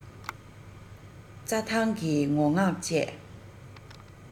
རྩ ཐང གི ངུ ངག བཅས